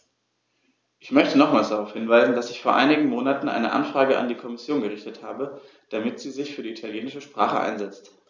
Ich möchte nochmals darauf hinweisen, dass ich vor einigen Monaten eine Anfrage an die Kommission gerichtet habe, damit sie sich für die italienische Sprache einsetzt.